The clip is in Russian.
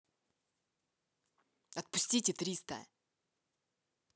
отпустите триста